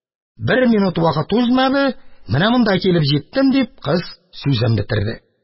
Бер минут вакыт узмады, менә монда килеп җиттем, – дип, кыз сүзен бетерде.